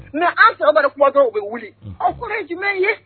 Mais an tɔw ma na kuma dɔrɔn u bɛ wuli o kɔrɔ ye jumɛn ye?